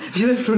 Wnes i ddeffro...